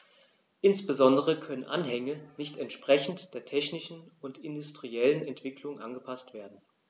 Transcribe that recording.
Insbesondere können Anhänge nicht entsprechend der technischen und industriellen Entwicklung angepaßt werden.